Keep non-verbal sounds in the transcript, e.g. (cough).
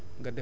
(hesitation) (hesitation)